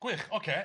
Gwych, ocê.